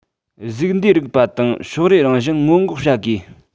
གཟུགས འདས རིག པ དང ཕྱོགས རེ རང བཞིན སྔོན འགོག བྱ དགོས